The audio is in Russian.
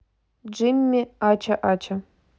джимми ача ача